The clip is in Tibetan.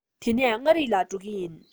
དེ ནས མངའ རིས ལ འགྲོ གི ཡིན